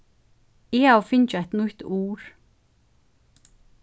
eg havi fingið eitt nýtt ur